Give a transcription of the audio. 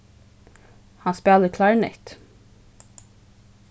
hann spælir klarinett